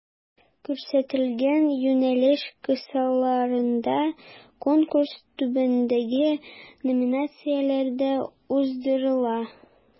Күрсәтелгән юнәлеш кысаларында Конкурс түбәндәге номинацияләрдә уздырыла: